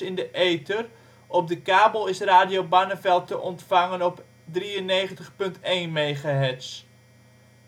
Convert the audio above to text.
in de ether, op de kabel is Radio Barneveld te ontvangen op 93.1 MHz.